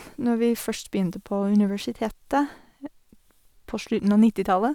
Når vi først begynte på universitetet på slutten av nittitallet.